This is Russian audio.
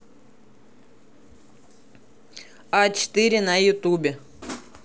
а четыре на ютубе